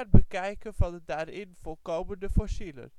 bekijken van de daarin voorkomende fossielen